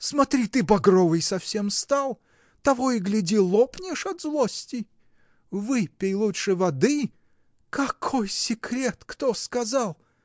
Смотри, ты багровый совсем стал: того и гляди, лопнешь от злости. Выпей лучше воды! Какой секрет: кто сказал?